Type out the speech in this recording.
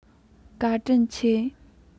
བཀའ དྲིན ཆེ